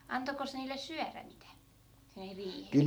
antoikos niille syödä mitä sinne riiheen